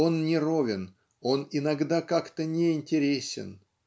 Он неровен; он иногда как-то неинтересен.